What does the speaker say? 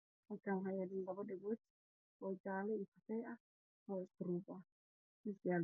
Halkaan waxaa yaalo labo dhagood oo jaale iyo kafay oo hal meel yaalo.